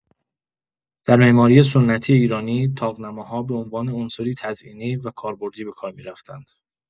در معماری سنتی ایرانی، طاق‌نماها به عنوان عنصری تزئینی و کاربردی به‌کار می‌رفتند.